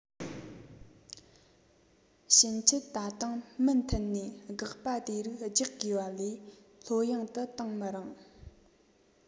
ཕྱིན ཆད ད དུང མུ མཐུད ནས དགག པ དེ རིགས རྒྱག དགོས པ ལས ལྷོད གཡེང དུ གཏོང མི རུང